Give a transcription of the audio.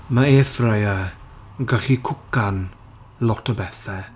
Mae airfryer yn gallu cwcan lot o bethau.